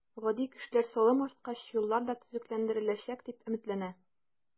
Гади кешеләр салым арткач, юллар да төзекләндереләчәк, дип өметләнә.